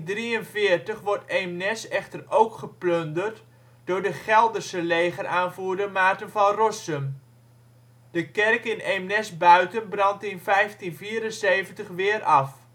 In 1543 wordt Eemnes echter ook geplunderd door de Gelderse legeraanvoerder Maarten van Rossum. De kerk in Eemnes-Buiten brandt in 1574 weer af